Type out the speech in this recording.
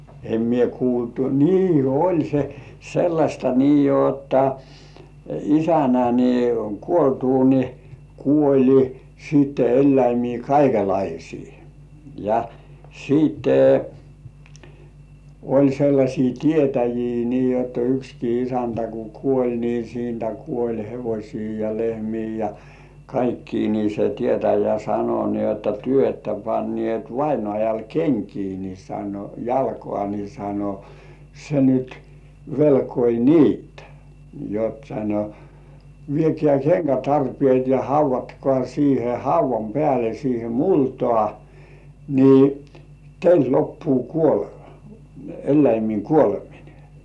en minä kuullut niin oli se sellaista niin jotta isännän niin kuoltua niin kuoli sitten eläimiä kaikenlaisia ja sitten oli sellaisia tietäjiä niin jotta yksikin isäntä kun kuoli niin siitä kuoli hevosia ja lehmiä ja kaikkia niin se tietäjä sanoi niin jotta te ette panneet vainajalle kenkiä niin sanoi jalkaan niin sanoi se nyt velkoi niitä jotta sanoi viekää kenkätarpeet ja haudatkaa siihen haudan päälle siihen multaan niin teiltä loppuu kuolema eläimien kuoleminen